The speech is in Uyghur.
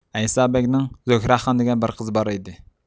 ئەيسا بەگنىڭ زۆھرەخان دېگەن بىر قىزى بار ئىدى